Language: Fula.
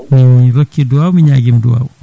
mi hokki duwaw mi ñaguima duwaw